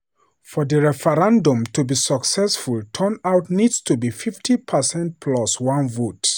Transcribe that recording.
For the referendum to be successful turnout needs to be 50 percent plus one vote.